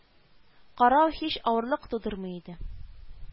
Карау һич авырлык тудырмый иде